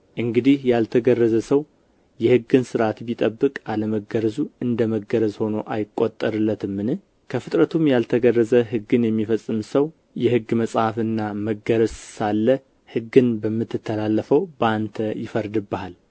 እንግዲህ ያልተገረዘ ሰው የሕግን ሥርዓት ቢጠብቅ አለመገረዙ እንደ መገረዝ ሆኖ አይቈጠርለትምን ከፍጥረቱም ያልተገረዘ ሕግን የሚፈጽም ሰው የሕግ መጽሐፍና መገረዝ ሳለህ ሕግን በምትተላለፈው በአንተ ይፈርድብሃል